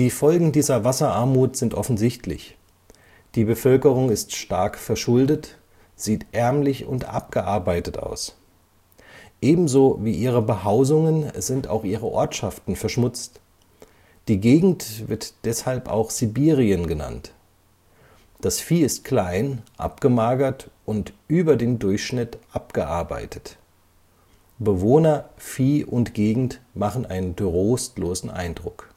Folgen dieser Wasserarmut sind offensichtlich. Die Bevölkerung ist stark verschuldet, sieht ärmlich und abgearbeitet aus. Ebenso wie ihre Behausungen sind auch ihre Ortschaften verschmutzt. Die Gegend wird deshalb auch „ Sibirien “genannt. Das Vieh ist klein, abgemagert und über den Durchschnitt abgearbeitet. Bewohner, Vieh und Gegend machen einen trostlosen Eindruck